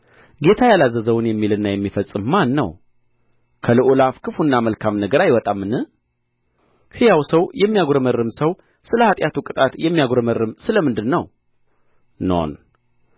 ጌታ ያላዘዘውን የሚልና የሚፈጽም ማን ነው ከልዑል አፍ ክፉና መልካም ነገር አይወጣምን ሕያው ሰው የሚያጕረመርም ሰው ስለ ኃጢአቱ ቅጣት የሚያጕረመርም ስለ ምንድር ነው ኖን